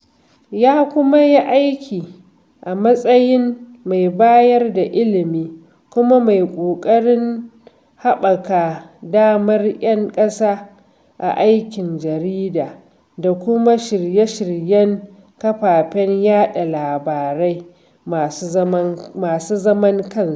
Ya kuma yi aiki a matsayin mai bayar da ilimi kuma mai ƙoƙarin haɓaka damar 'yan ƙasa a aikin jarida da kuma shirye-shiryen kafafen yaɗa labarai masu zaman kansu.